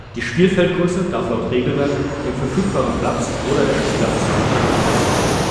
Die Spielfeldgröße darf laut Regelwerk dem verfügbaren Platz oder der Spielerzahl angepasst werden